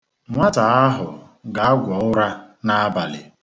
Nwata ahụ ga-agwọ ụra n'abalị.